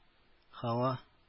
Һава